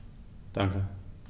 Danke.